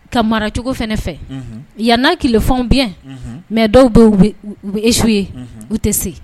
Ka maracogo fana fɛ yan n' tilefɛn bi mɛ dɔw bɛ esu ye u tɛ se